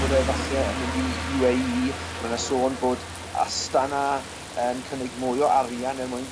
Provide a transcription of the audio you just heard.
bod e falle yn mynd i You Ay Ee ma' 'na sôn bod Astana yn cynnig mwy o arian er mwyn